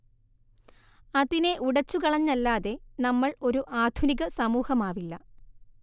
അതിനെ ഉടച്ചു കളഞ്ഞല്ലാതെ നമ്മൾ ഒരു ആധുനിക സമൂഹമാവില്ല